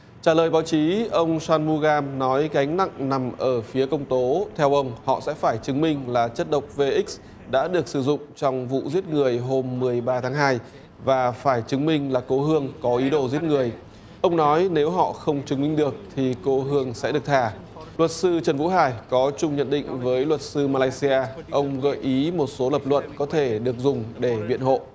trả lời báo chí ông san bu gan nói gánh nặng nằm ở phía công tố theo ông họ sẽ phải chứng minh là chất độc vê ích đã được sử dụng trong vụ giết người hôm mười ba tháng hai và phải chứng minh là cố hương có ý đồ giết người ông nói nếu họ không chứng minh được thi cô hương sẽ được thả luật sư trần vũ hải có chung nhận định với luật sư ma lai xi a ông gợi ý một số lập luận có thể được dùng để biện hộ